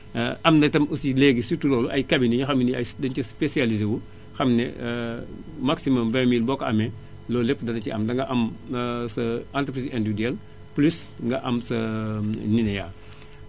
am na itam aussi léegi surtout loolu ay cabiné yoo xam ne ne ay dañu see spécialisé wu xam ne maximum 20000 boo ko amee loolu lépp danga ko si am danga am sa entreprise individuelle plus nga am sa Ninéa